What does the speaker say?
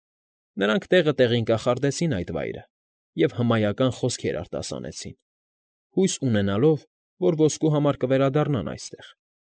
Նրանք տեղը տեղին կախարդեցին այդ վայրը և համայական խոսքեր արտասանեցին, հույս ունենալով, որ ոսկու համար կվերադառնան այստեղ։